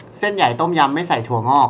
เส้นใหญ่ต้มยำไม่ใส่ถั่วงอก